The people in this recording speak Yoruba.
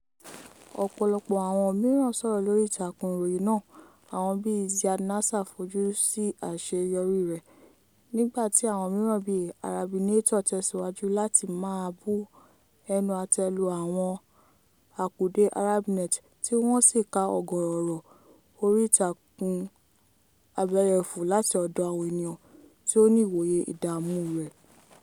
Ọ̀pọ̀lọpọ̀ àwọn mìíràn sọ̀rọ̀ lórí ìtàkùn ìròyìn náà: àwọn bíi Ziad Nasser fojú sí àṣeyọrí rẹ̀, nígbà tí àwọn mìíràn bíi Arabinator tẹ̀síwájú láti máa bu ẹnu àtẹ́ lu àwọn àkùdé Arabnet tí wọ́n sì kà ọ̀gọ̀ọ̀rọ̀ ọ̀rọ̀ orí ìtàkùn abẹ́yẹfò[ar] láti ọ̀dọ àwọn ènìyàn tí ó ní ìwòye ìdààmú rẹ̀.